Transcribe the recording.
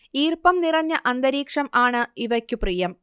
ഈർപ്പം നിറഞ്ഞ അന്തരീക്ഷം ആണ് ഇവയ്ക്കു പ്രിയം